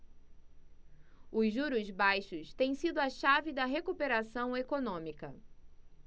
os juros baixos têm sido a chave da recuperação econômica